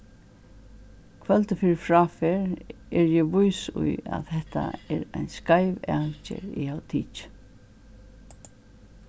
kvøldið fyri fráferð eri eg vís í at hetta er ein skeiv avgerð eg havi tikið